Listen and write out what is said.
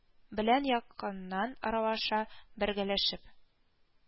Белән якыннан аралаша, бергәләшеп